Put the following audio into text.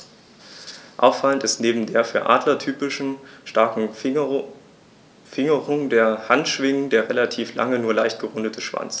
Auffallend ist neben der für Adler typischen starken Fingerung der Handschwingen der relativ lange, nur leicht gerundete Schwanz.